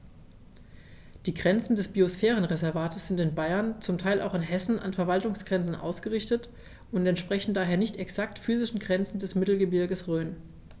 Die Grenzen des Biosphärenreservates sind in Bayern, zum Teil auch in Hessen, an Verwaltungsgrenzen ausgerichtet und entsprechen daher nicht exakten physischen Grenzen des Mittelgebirges Rhön.